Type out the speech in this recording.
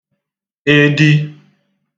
edi